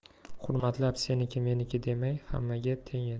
hurmatlab seniki meniki demay xammaga teng edi